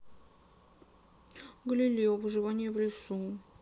галилео выживание в лесу